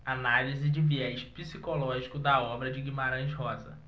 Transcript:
análise de viés psicológico da obra de guimarães rosa